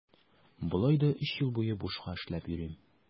Болай да өч ел буе бушка эшләп йөрим.